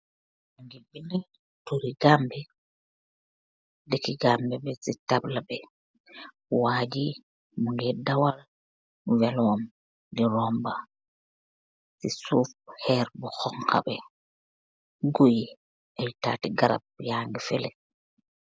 Nyugi benda toori Gambie deki Gambie mung si tamla bi wagi mogeh dawal welum d rumba c soof xeer bu xonxa bi gui ay tatee garab yagi feleh.